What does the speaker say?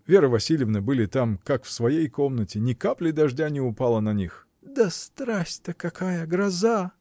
Вера Васильевна были там, как в своей комнате: ни капли дождя не упало на них. — Да страсть-то какая: гроза!